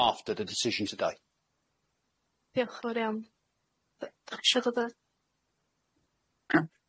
after the decision today. Diolch yn fowr iawn.